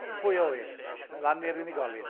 Pwy a ŵyr? Mae lan i'r unigolyn.